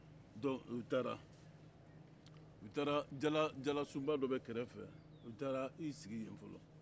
donc u taara u taara jalasunba dɔ bɛ kɛrɛfɛ u taara i sigi yen